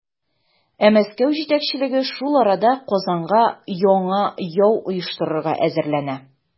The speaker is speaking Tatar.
Ә Мәскәү җитәкчелеге шул арада Казанга яңа яу оештырырга әзерләнә.